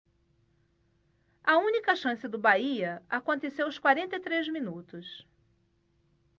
a única chance do bahia aconteceu aos quarenta e três minutos